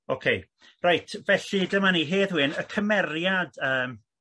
Ocei reit felly dyma ni Hedd Wyn y cymeriad yym